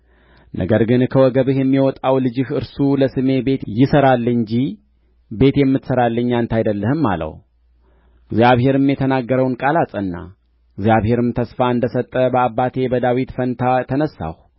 ነገር ግን ከወገብህ የሚወጣው ልጅህ እርሱ ለስሜ ቤት ይሠራል እንጂ ቤት የምትሠራልኝ አንተ አይደለህም አለው እግዚአብሔርም የተናገረውን ቃል አጸና እግዚአብሔርም ተስፋ እንደ ሰጠ በአባቴ በዳዊት ፋንታ ተነሣሁ